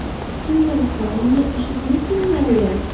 Син нәрсә, мине ишетмисеңме әллә?